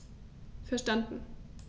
Verstanden.